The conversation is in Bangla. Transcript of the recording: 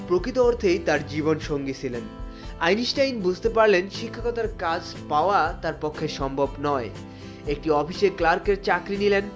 প্রকৃত অর্থেই তার জীবন সঙ্গী ছিলেন আইনস্টাইন বুঝতে পারলেন শিক্ষক ও তার কাজ পাওয়া তার পক্ষে সম্ভব নয় একটি অফিসের ক্লার্কের চাকরি নিলেন